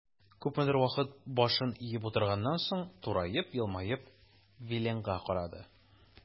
Күпмедер вакыт башын иеп утырганнан соң, тураеп, елмаеп Виленга карады.